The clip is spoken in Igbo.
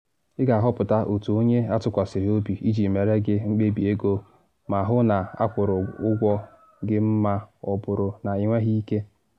Ị ga-ahọpụta otu onye atụkwasịrị obi iji meere gị mkpebi ego ma hụ na akwụrụ ụgwọ gị ma ọ bụrụ na ị nweghị ike.